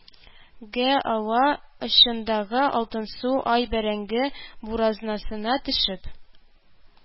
Гә ава, очындагы алтынсу ай бәрәңге буразнасына төшеп